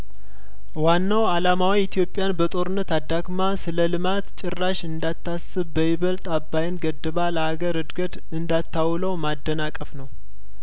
ዋናው አላማዋ ኢትዮጵያን በጦርነት አዳክማ ስለ ልማት ጭራሽ እንዳታስብ በይበልጥ አባይን ገድ ባለአገር እድገት እንዳታውለው ማደናቀፍ ነው